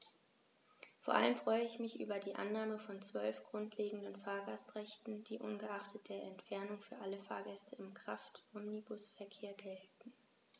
Vor allem freue ich mich über die Annahme von 12 grundlegenden Fahrgastrechten, die ungeachtet der Entfernung für alle Fahrgäste im Kraftomnibusverkehr gelten.